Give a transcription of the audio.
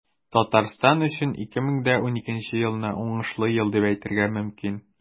Татарстан өчен 2012 елны уңышлы ел дип әйтергә мөмкин.